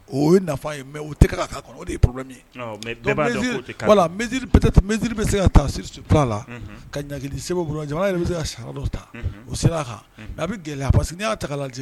O ye nafa ye mɛ o' kɔnɔ o de ye mɛsiriri bɛ se ka taa la ka segu jamana yɛrɛ bɛ se ka sa dɔ ta o sera a kan a bɛ gɛlɛya a pa parce segin'a ta lajɛ